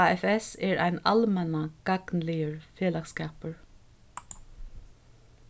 afs er ein almannagagnligur felagsskapur